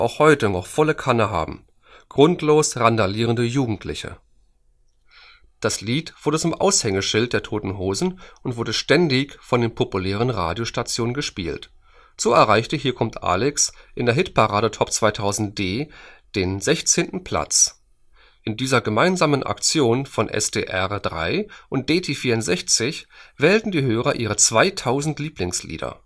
heute noch volle Kanne haben: grundlos randalierende Jugendliche. “Das Lied wurde zum Aushängeschild der Toten Hosen und wurde ständig von den populären Radiostationen gespielt. So erreichte Hier kommt Alex in der Hitparade Top 2000 D den 16. Platz. In dieser gemeinsamen Aktion von SDR 3 und DT64 wählten die Hörer ihre 2000 Lieblingslieder